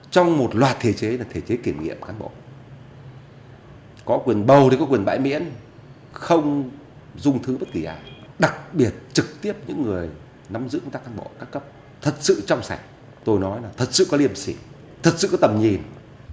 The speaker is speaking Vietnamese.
trong một loạt thể chế là thể chế kiểm nghiệm cán bộ có quyền bầu có quyền bãi miễn không dung thứ bất kỳ ai đặc biệt trực tiếp những người nắm giữ công tác cán bộ các cấp thật sự trong sạch tôi nói là thật sự có liêm sỉ thực sự có tầm nhìn